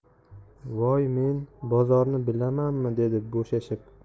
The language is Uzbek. voy men bozorni bilamanmi dedi bo'shashib